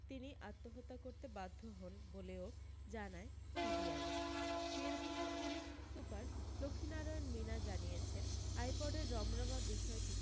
তিনি আত্মহত্যা করতে বাধ্য হন বলেও জানায় সিবিআই বীরভূমের পুলিশ সুপার লক্ষীনারায়ণ মিনা জানিয়েছেন আইপডের রমরমা বিষয়টি